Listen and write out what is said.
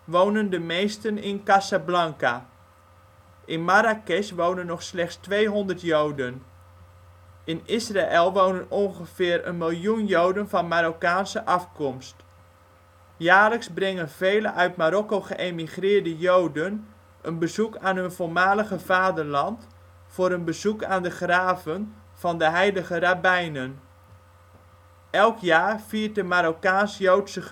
wonen de meesten in Casablanca. In Marrakesh wonen nog slechts 200 Joden. In Israël wonen ongeveer 1.000.000 Joden van Marokkaanse afkomst. Jaarlijks brengen vele uit Marokko geëmigreerde Joden een bezoek aan hun voormalige vaderland voor een bezoek aan de graven van de heilige rabbijnen. Elk jaar viert de Marokkaans-Joodse